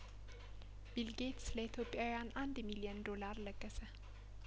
ቢል ጌት ስለኢትዮጵያውያን አንድ ሚሊየን ዶላር ለገሰ